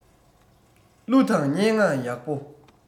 གླུ དང སྙན ངག ཡག པོ